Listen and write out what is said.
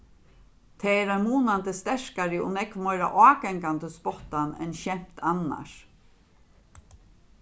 tað er ein munandi sterkari og nógv meira ágangandi spottan enn skemt annars